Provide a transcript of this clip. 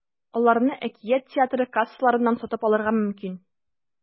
Аларны “Әкият” театры кассаларыннан сатып алырга мөмкин.